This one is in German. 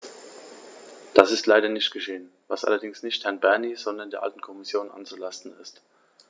Das ist leider nicht geschehen, was allerdings nicht Herrn Bernie, sondern der alten Kommission anzulasten ist.